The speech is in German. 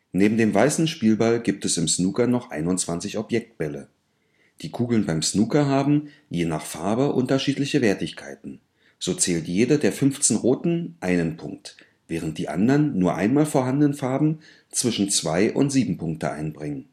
Neben dem weißen Spielball gibt es im Snooker noch 21 Objektbälle. Die Kugeln beim Snooker haben, je nach Farbe, unterschiedliche Wertigkeiten. So bringt jede der 15 Roten einen Punkt, während die anderen, nur einmal vorhandenen Farben, zwischen zwei und sieben Punkte bringen